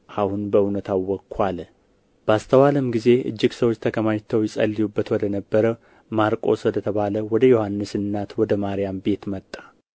አሁን በእውነት አወቅሁ አለ ባስተዋለም ጊዜ እጅግ ሰዎች ተከማችተው ይጸልዩበት ወደ ነበረው ማርቆስ ወደ ተባለው ወደ ዮሐንስ እናት ወደ ማርያም ቤት መጣ